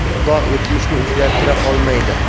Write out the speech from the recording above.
xudo o'tmishni o'zgartira olmaydi